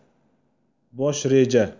bosh reja